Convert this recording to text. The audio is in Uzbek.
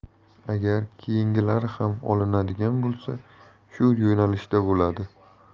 agar keyingilari ham olinadigan bo'lsa shu yo'nalishda bo'ladi